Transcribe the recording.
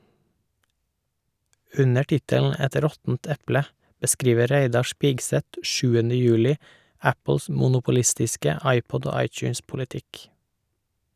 Under tittelen «Et råttent eple» beskriver Reidar Spigseth 7. juli Apples monopolistiske iPod- og iTunes-politikk.